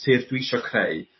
natur dwi isio creu